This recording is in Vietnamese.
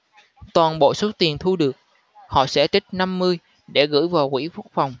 toàn bộ số tiền thu được họ sẽ trích năm mươi để gửi vào quỹ quốc phòng